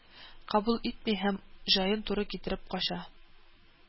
Кабул итми һәм, җаен туры китереп, кача